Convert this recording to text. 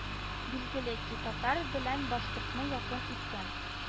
Билгеле ки, татар белән башкортны якын иткән